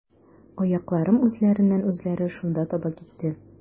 Аякларым үзләреннән-үзләре шунда таба китте.